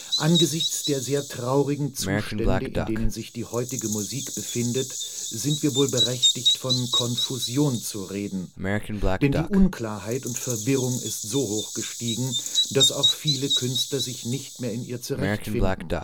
Angesichts der sehr traurigen Zustände, in denen sich die heutige Musik befindet, sind wir wohl berechtigt, von Konfusion zu reden. Denn die Unklarheit und Verwirrung ist so hoch gestiegen, daß auch viele Künstler sich nicht mehr in ihr zurechtfinden